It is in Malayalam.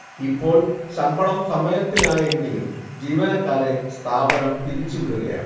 ഇപ്പോൾ ശമ്പളം സമയത്തിനായെങ്കിലും ജീവനക്കാരെ സ്ഥാപനം പിരിച്ചുവിടുകയാണ്